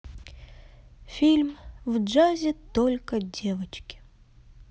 фильм в джазе только девочки